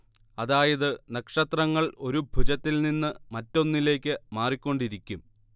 അതായത് നക്ഷത്രങ്ങൾ ഒരു ഭുജത്തിൽ നിന്ന് മറ്റൊന്നിലേക്ക് മാറിക്കൊണ്ടിരിക്കും